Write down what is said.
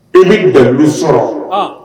I b'i dalulu sɔrɔ